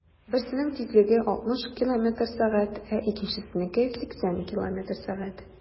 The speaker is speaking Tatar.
Берсенең тизлеге 60 км/сәг, ә икенчесенеке - 80 км/сәг.